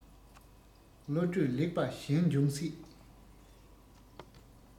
བློ གྲོས ལེགས པ གཞན འབྱུང སྲིད